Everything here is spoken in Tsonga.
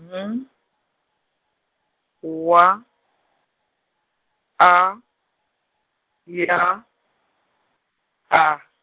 N WA A YA A.